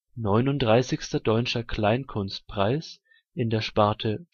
39. Deutscher Kleinkunstpreis in der Sparte